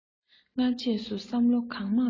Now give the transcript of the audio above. སྔ རྗེས སུ བསམ བློ གང མང བཏང ནས